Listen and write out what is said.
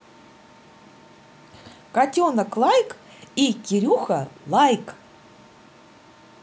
котенок лайк и кирюха лайк